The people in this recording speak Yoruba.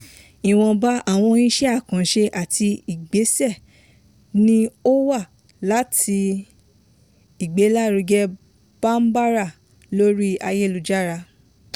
Ìwọ̀nba àwọn iṣẹ́ àkànṣe àti ìgbésẹ̀ ni ó wà láti ṣe ìgbélárugẹ Bambara lórí ayélujára.